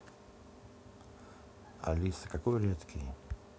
алиса какой редкий